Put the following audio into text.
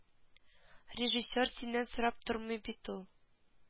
Режиссер синнән сорап тормый бит ул